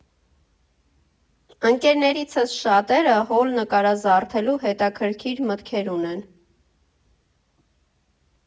Ընկերներիցս շատերը հոլ նկարազարդելու հետաքրքիր մտքեր ունեն։